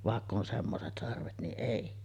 vaikka on semmoiset sarvet niin ei